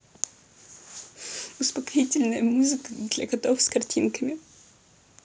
успокоительная музыка для котов с картинками